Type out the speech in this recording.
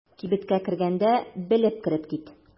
Кибеткә кергәндә белеп кереп кит.